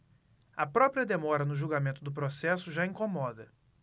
a própria demora no julgamento do processo já incomoda